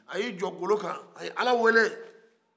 a ye jɔ golo kan a ye ala wele